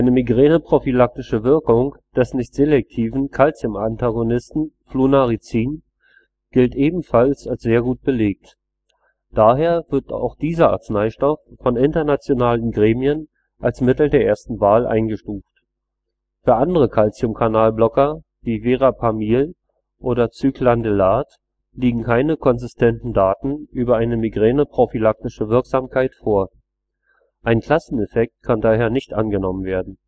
migräneprophylaktische Wirkung des nicht selektiven Calciumantagonisten Flunarizin gilt ebenfalls als sehr gut belegt. Daher wird auch dieser Arzneistoff von internationalen Gremien als Mittel der ersten Wahl eingestuft. Für andere Calciumkanalblocker, wie Verapamil oder Cyclandelat, liegen keine konsistenten Daten über eine migräneprophylaktische Wirksamkeit vor. Ein Klasseneffekt kann daher nicht angenommen werden